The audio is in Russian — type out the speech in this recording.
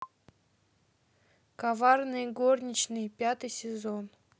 коварные горничные пятый сезон